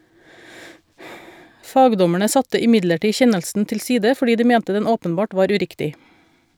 Fagdommerne satte imidlertid kjennelsen tilside, fordi de mente den åpenbart var uriktig.